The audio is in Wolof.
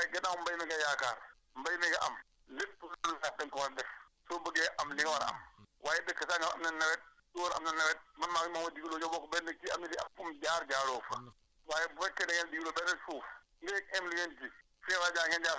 léegi da ñiy béy dañoo defatul yooyu respecté wu ñu ko yooyu jarul a sonn waaye gannaaw mbéy mi nga yaakaar mbéy mi nga am lépp lu baax da nga ko war a def soo bëggee am li nga war a am waaye dëkk sangam am na nawet Ngor am na nawet man maag Momadou * ñoo bokk benn kii am na lii fu mu jaar jaaroo fa